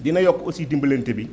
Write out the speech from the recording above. dina yokk aussi dimbalante bi